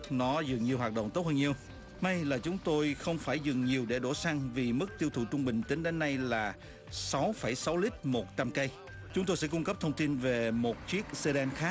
nó dường như hoạt động tốt hơn nhiều may là chúng tôi không phải dừng nhiều để đổ xăng vì mức tiêu thụ trung bình tính đến nay là sáu phẩy sáu lít một trăm cây chúng tôi sẽ cung cấp thông tin về một chiếc xe đen khác